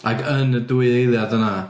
Ac yn y dwy eiliad yna?